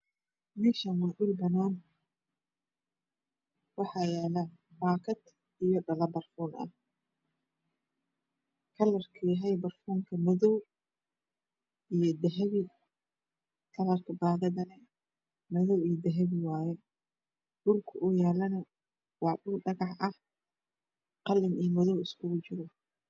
Halkan waa yalo mis kalar kisi waa cades wax saran barfun kalar kisi waa madow iyo dahabi